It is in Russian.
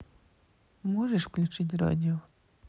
можешь включить радио